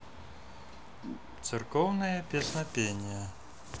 церковные песнопения